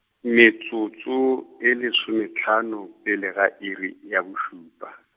metsotso, e lesome hlano, pele ga iri ya bošupa.